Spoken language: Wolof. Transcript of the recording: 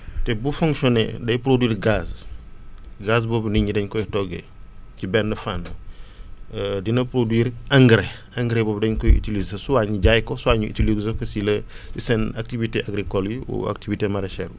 te bu fonctionné day produire gaz gaz boobu nit ñi dañ koy toggee ci benn fànn dina produire engrais engrais boobu dañ koy utiliser soit ñu jaay ko soit ñu utiliser ko si le seen activité agricoles yi ou activité maraicher bi